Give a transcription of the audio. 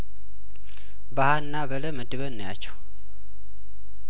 በሀ እና በለ መድበን እንያቸው